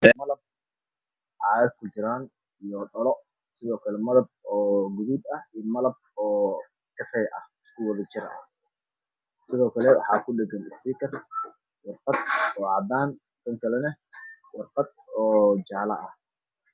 Waa malab caagag kujiraan iyo dhalo, waa malab kafay iyo malab gaduud ah oo isku jiro, sidoo kale waxaa kudhagan istiikar mid warqad cadaan ah midna warqad jaale ah.